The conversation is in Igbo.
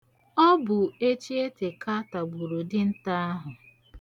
Ọ bụ echietèka tagbụru dinta ahụ.